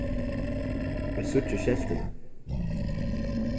eg síggi skeltini